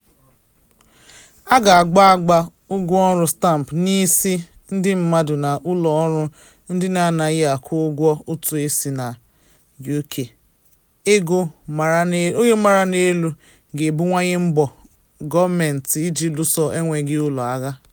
A ga-agba ụgwọ ọrụ stampụ n’isi ndị mmadụ na ụlọ ọrụ ndị na anaghị akwụ ụgwọ ụtụ isi na UK, ego mara n’elu ga-ebuwanye mbọ Gọọmentị iji luso enweghị ụlọ agha.